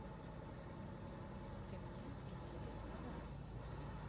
ты мне интересно тогда